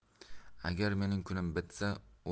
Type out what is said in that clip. agar mening kunim bitsa